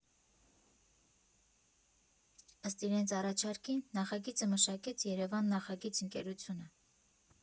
Ըստ իրենց առաջարկի՝ նախագիծը մշակեց «Երևաննախագիծ» ընկերությունը։